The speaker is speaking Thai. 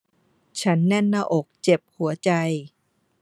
ฉันแน่นหน้าอกเจ็บหัวใจ